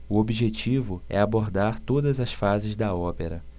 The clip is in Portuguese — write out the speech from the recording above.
o objetivo é abordar todas as fases da ópera